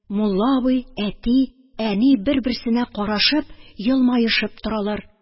Мулла абый, әти, әни бер-берсенә карашып елмаешып торалар